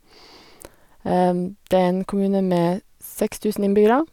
Det er en kommune med seks tusen innbyggere.